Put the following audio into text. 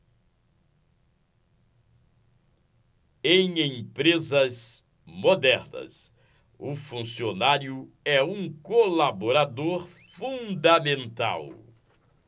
em empresas modernas o funcionário é um colaborador fundamental